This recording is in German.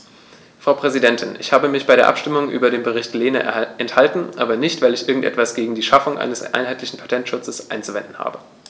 Frau Präsidentin, ich habe mich bei der Abstimmung über den Bericht Lehne enthalten, aber nicht, weil ich irgend etwas gegen die Schaffung eines einheitlichen Patentschutzes einzuwenden habe.